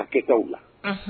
A kɛtaw laUnhun